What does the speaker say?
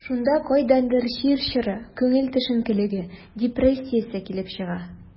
Шунда кайдандыр чир чоры, күңел төшенкелеге, депрессиясе килеп чыга.